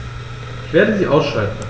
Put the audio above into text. Ich werde sie ausschalten